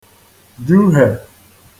juhè